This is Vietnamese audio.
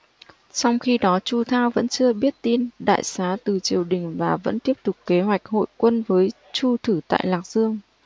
trong khi đó chu thao vẫn chưa biết tin đại xá từ triều đình và vẫn tiếp tục kế hoạch hội quân với chu thử tại lạc dương